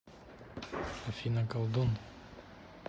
афина колдун